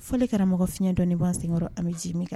Fɔli karamɔgɔ, fiɲɛ dɔɔnni bɔ an senkɔrɔ, an bɛ ji min ka